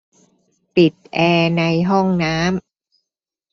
ปิดแอร์ในห้องน้ำ